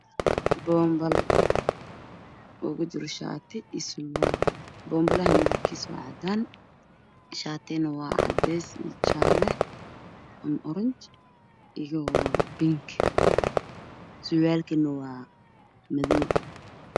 Bonbalo ukujiro shati iyo surwal bonbalaha midabkisu waa cadan shatiguna wa cadays iyo jale iyo oranji iyo binki suwalkuna waa madow